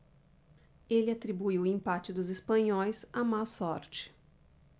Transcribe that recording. ele atribuiu o empate dos espanhóis à má sorte